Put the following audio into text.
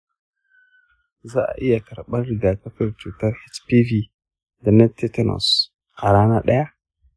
za’a iya karbar rigakafin cutar hpv da na tetanus a rana ɗaya?